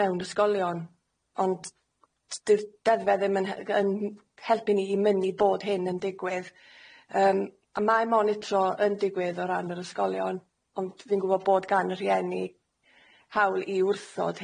mewn ysgolion ond t- dy- deddfe ddim yn he- yn helpu ni i mynnu bod hyn yn digwydd yym a mae monitro yn digwydd o ran yr ysgolion ond fi'n gwbod bod gan y rhieni hawl i wrthod